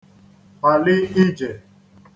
pali ijè